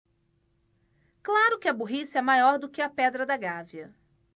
claro que a burrice é maior do que a pedra da gávea